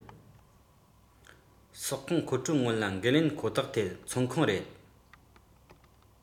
ལེགས ཆ ནི ཁོ མོ ལས ཁོ ཐག ཡིན